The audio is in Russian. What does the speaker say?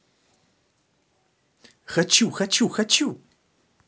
хочу хочу хочу